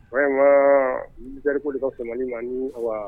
Ayiwa teriri ko de ka tɛmɛmani ma nin wa